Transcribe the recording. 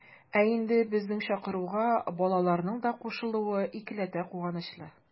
Ә инде безнең чакыруга балаларның да кушылуы икеләтә куанычлы.